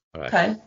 Ok.